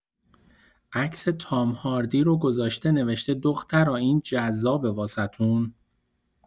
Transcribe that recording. عکس تام هاردی رو گذاشته نوشته دخترا این جذابه واستون؟